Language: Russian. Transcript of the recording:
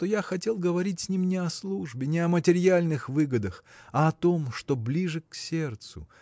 что я хотел говорить с ним не о службе не о материальных выгодах а о том что ближе к сердцу